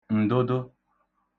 ǹdụdụ